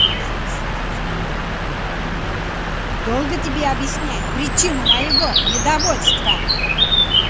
долго тебе объяснять причину моего недовольства